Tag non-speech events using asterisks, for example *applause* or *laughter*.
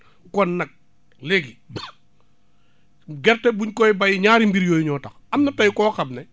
*breath* kon nag léegi *coughs* gerte buñ koy bay ñaari mbir yooyu ñoo tax am na tey koo xam ne